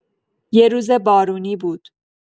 یه روز بارونی بود.